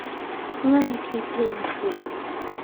เงินที่เพิ่มขึ้น